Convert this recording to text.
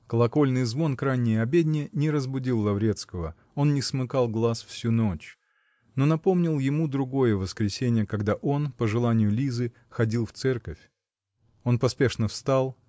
Колокольный звон к ранней обедне не разбудил Лаврецкого -- он не смыкал глаз всю ночь, -- но напомнил ему другое воскресенье, когда он, по желанию Лизы, ходил в церковь. Он поспешно встал